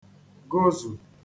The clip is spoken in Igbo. -gozù